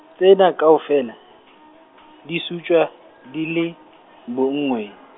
tsena kaofela , di sutjwa, di le, bonngweng.